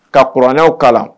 Ka kuranw kala